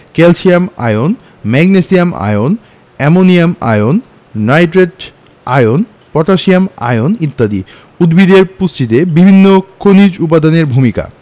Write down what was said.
calcium ion magnesium ion ammonium ion nitrate ion potassium ion ইত্যাদি উদ্ভিদের পুষ্টিতে বিভিন্ন খনিজ উপাদানের ভূমিকা